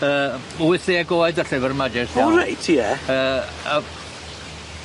Yy wyth ddeg oed y llyfr 'ma jyst nawr. O reit ie. Yy a